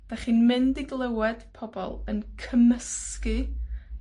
'Dach chi'n mynd i glywed pobol yn cymysgu